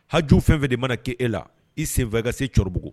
Ha jo fɛnfɛ de mana k'e e la i senfɛ ka se cɛkɔrɔbabugu